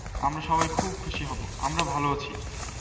আমরা সবাই খুব খুশি হব আমরা ভালো আছি